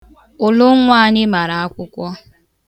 Ụlụ nwa anyị mara akwụkwọ.